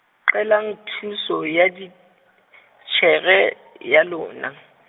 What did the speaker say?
qelang thuso ya di tjhere , ya lona.